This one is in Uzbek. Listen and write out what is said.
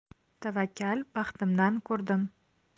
tavakkal baxtimdan ko'rdim